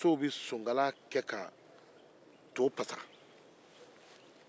musow be sonkala kɛ ka to pasa